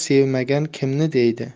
sevmagan kimni deydi